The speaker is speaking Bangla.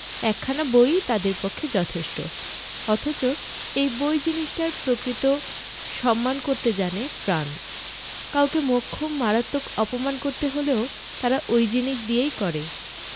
একখানা বই ই তাদের পক্ষে যথেষ্ট অথচ এই বই জিনিসটার প্রকৃত সম্মান করতে জানে ফ্রান্স কাউকে মোক্ষম মারাত্মক অপমান করতে হলেও তারা ওই জিনিস দিয়েই করে